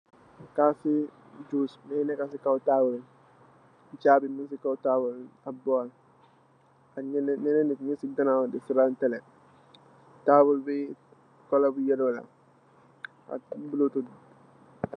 Kaas i juus moo nëëk, chaabi muñg si kow taabul bi ak bool. Yenen nit ñung si ganaaw di sétaan tele. Taabu bi kolo bu yellow la, ak buluu tut.